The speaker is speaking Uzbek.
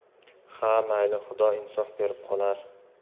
ha mayli xudo insof berib qolar